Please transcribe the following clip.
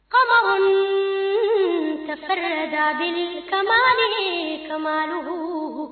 Kamalensonin kasɛ da kain kadugu